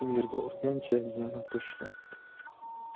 yerga urgancha yana qo'shiq aytdi